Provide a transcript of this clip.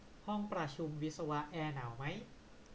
ห้องประชุมวิศวะแอร์หนาวมั้ย